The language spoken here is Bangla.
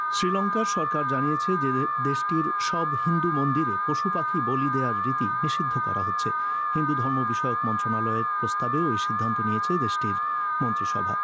শ্রীলংকার সরকার জানিয়েছে যে দেশটির সব হিন্দু মন্দিরে পশুপাখি বলি দেয়ার রীতি নিষিদ্ধ করা হচ্ছে হিন্দু ধর্ম বিষয়ক মন্ত্রণালয়ের প্রস্তাবে এই সিদ্ধান্ত নিয়েছে দেশটির মন্ত্রিসভা